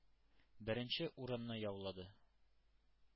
Беренче урынны яулады,